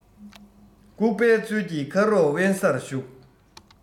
ལྐུགས པའི ཚུལ གྱིས ཁ རོག དབེན སར བཞུགས